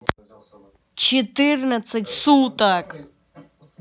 четырнадцать суток